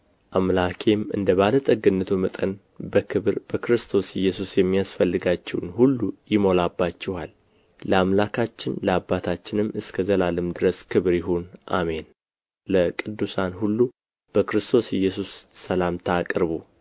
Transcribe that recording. አምላኬም እንደ ባለ ጠግነቱ መጠን በክብር በክርስቶስ ኢየሱስ የሚያስፈልጋችሁን ሁሉ ይሞላባችኋል ለአምላካችንና ለአባታችንም እስከ ዘላለም ድረስ ክብር ይሁን አሜን ለቅዱሳን ሁሉ በክርስቶስ ኢየሱስ ሰላምታ አቅርቡ